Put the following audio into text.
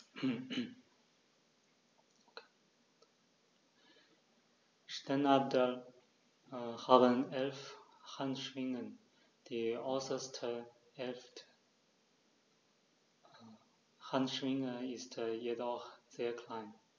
Steinadler haben 11 Handschwingen, die äußerste (11.) Handschwinge ist jedoch sehr klein.